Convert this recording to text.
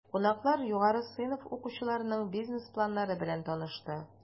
Кунаклар югары сыйныф укучыларының бизнес планнары белән танышты.